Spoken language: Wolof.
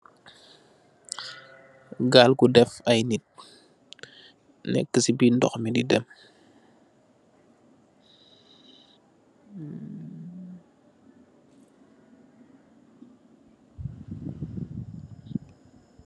Gaal bu def ay nitt neka si birr ndox bi di dem.